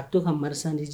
A t to ka mari de cɛ